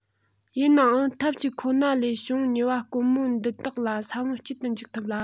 ཡིན ནའང ཐབས གཅིག ཁོ ན ལས འཕྱོ ཉུལ བ དཀོན མོ འདི དག ལ ས བོན སྐྱེལ དུ འཇུག ཐུབ ལ